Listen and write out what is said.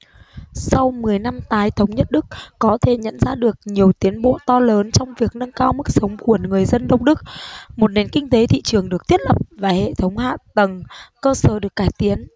sau mười năm tái thống nhất đức có thể nhận ra được nhiều tiến bộ to lớn trong việc nâng cao mức sống của người dân đông đức một nền kinh tế thị trường được thiết lập và hệ thống hạ tầng cơ sở được cải tiến